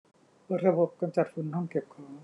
เปิดระบบกำจัดฝุ่นห้องเก็บของ